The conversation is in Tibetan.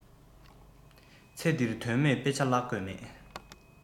ཚེ འདིར དོན མེད དཔེ ཆ བཀླག དགོས མེད